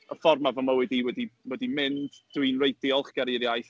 Y ffordd ma' fy mywyd i wedi wedi mynd, dwi'n reit ddiolchgar i'r iaith.